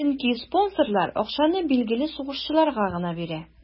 Чөнки спонсорлар акчаны билгеле сугышчыларга гына бирә.